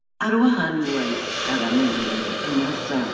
Ar wahân i'n waith bara a menyn i, yma a thraw.